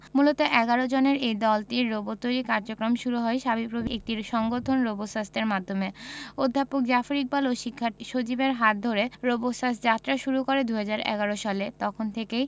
মূলত ১১ জনের এই দলটির রোবট তৈরির কার্যক্রম শুরু হয় শাবিপ্রবির একটি সংগঠন রোবোসাস্টের মাধ্যমে অধ্যাপক জাফর ইকবাল ও শিক্ষার্থী সজীবের হাত ধরে রোবোসাস্ট যাত্রা শুরু করে ২০১১ সালে তখন থেকেই